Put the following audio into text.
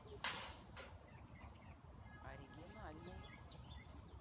оригинальный